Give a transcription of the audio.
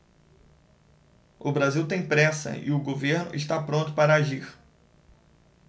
o brasil tem pressa e o governo está pronto para agir